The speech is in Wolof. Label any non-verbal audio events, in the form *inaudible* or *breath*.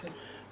*hesitation* *breath*